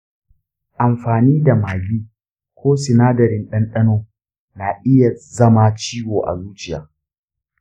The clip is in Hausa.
amfani da maggi ko sinadarin ɗanɗano na iya zama ciwo a zuciya?